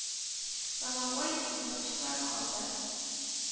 Ломовой извозчикларның аты